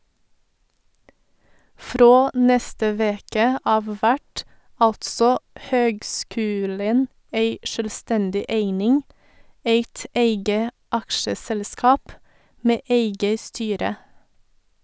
Frå neste veke av vert altså høgskulen ei sjølvstendig eining, eit eige aksjeselskap med eige styre.